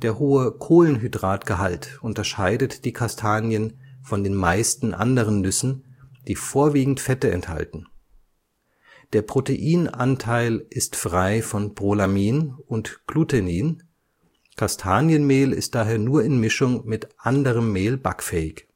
hohe Kohlenhydratgehalt unterscheidet die Kastanien von den meisten anderen Nüssen, die vorwiegend Fette enthalten. Der Proteinanteil ist frei von Prolamin und Glutenin, Kastanienmehl ist daher nur in Mischung mit anderem Mehl backfähig